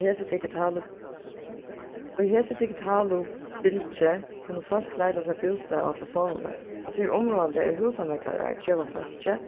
í hesi digitalu í hesi digitalu bylgju kunnu fólk leita sær bústað á telefonini so tað er umráðandi at húsameklarar geva fólki